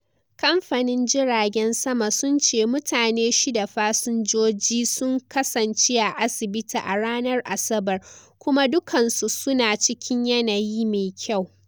Kamfanin jiragen sama sun ce mutane shida fasinjoji sun kasance a asibiti a ranar Asabar, kuma dukansu su na cikin yanayi mai kyau.